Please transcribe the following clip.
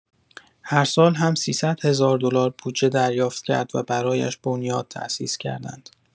هر سال هم ۳۰۰ هزار دلار بودجه دریافت کرد و برایش بنیاد تاسیس کردند.